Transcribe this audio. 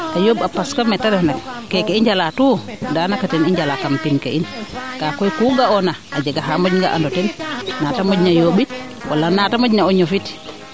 a yoomb a a parce que meete refna keeke i njaka tout daanaka ten i njala kam pin ke in kaa koy kuu ga'oona a jga xaa moƴ nga ando ten naate moƴna yoombit wala naate moƴna o ñofit